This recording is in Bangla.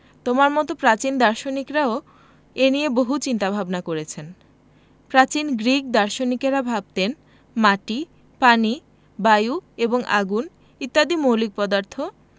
তোমাদের মতো প্রাচীন দার্শনিকেরাও এ নিয়ে বহু চিন্তা ভাবনা করেছেন প্রাচীন গ্রিক দার্শনিকেরা ভাবতেন মাটি পানি বায়ু এবং আগুন ইত্যাদি মৌলিক পদার্থ